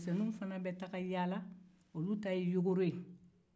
cɛmisɛnninw fana be taa yaala olu ta ye yogoro ye